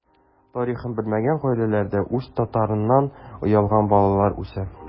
Тарихын белмәгән гаиләләрдә үз татарыннан оялган балалар үсә.